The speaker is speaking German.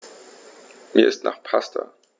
Mir ist nach Pasta.